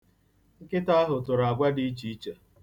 Nkịta ahụ tụrụ agwa dị iche iche.